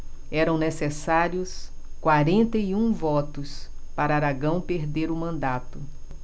eram necessários quarenta e um votos para aragão perder o mandato